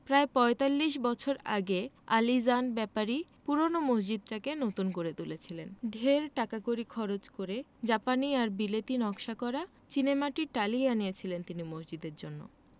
প্রায় পঁয়তাল্লিশ বছর আগে আলীজান ব্যাপারী পূরোনো মসজিদটাকে নতুন করে তুলেছিলেন ঢের টাকাকড়ি খরচ করে জাপানি আর বিলেতী নকশা করা চীনেমাটির টালি আনিয়েছিলেন তিনি মসজিদের জন্য